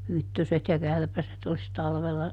hyttyset ja kärpäset olisi talvella